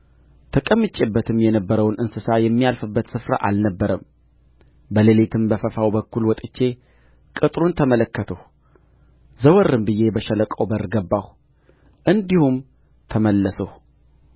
ተቀምጬበትም የነበረው እንስሳ የሚያልፍበት ስፍራ አልነበረም በሌሊትም በፈፋው በኩል ወጥቼ ቅጥሩን ተመለከትሁ ዘወርም ብዬ በሸለቆው በር ገባሁ እንዲሁም ተመለስሁ